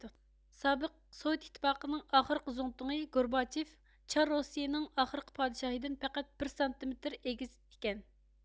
سابىق سوۋېت ئىتتىپاقىنىڭ ئاخىرقى زۇڭتۇڭى گورباچېف چار رۇسىيىنىڭ ئاخىرقى پادىشاھىدىن پەقەت بىر سانتىمېتىر ئېگىز ئىكەن